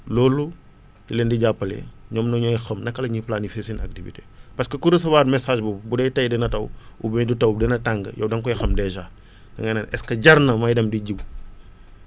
loolu da leen di jàppale ñoom nag ñooy xam naka la ñuy planifier seen activité parce que ku recevoir message boobu bu dee tey dana taw oubien du taw dana tàng yooyu da nga koy xam dèjà da nga naan est ce que jar na may dem di jiw